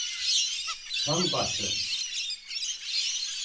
sandbakkin